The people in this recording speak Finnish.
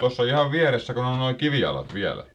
tuossa ihan vieressä kun on nuo kivijalat vielä